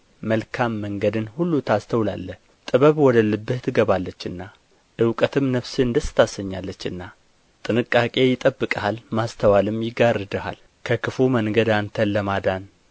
መልካም መንገድን ሁሉ ታስተውላለህ ጥበብ ወደ ልብህ ትገባለችና እውቀትም ነፍስህን ደስ ታሰኛለችና ጥንቃቄ ይጠብቅሃል ማስተዋልም ይጋርድሃል ከክፉ መንገድ አንተን ለማዳን